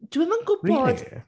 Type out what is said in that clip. Dwi'm yn gwybod... Really?